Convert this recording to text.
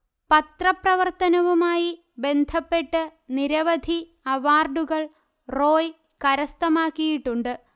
പത്രപ്രവർത്തനവുമായി ബദ്ധപ്പെട്ട് നിരവധി അവാർഡുകൾ റോയ് കരസ്ഥമാക്കിയിട്ടുണ്ട്